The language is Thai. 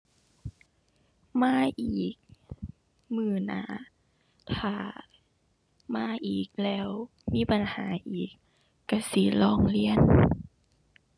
มาอีกมื้อหน้า ถ้ามาอีกแล้วมีปัญหาอีกก็สิร้องเรียน